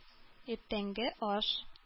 Иртәнге аш